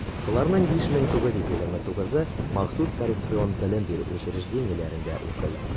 Шуларның 5929-ы махсус коррекцион белем бирү учреждениеләрендә укый.